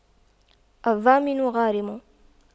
الضامن غارم